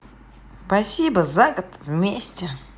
спасибо за год вместе